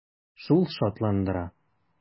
Шул шатландыра.